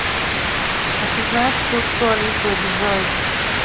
а ты знаешь что что алису обижают